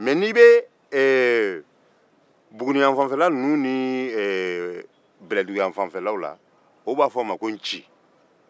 mɛ n'i bɛ buguniyanfanfɛla ninnu ni bɛlɛdugu fanfɛlaw la olu b'a fɔ a ma ko nci